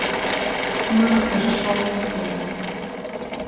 мастер шоу дети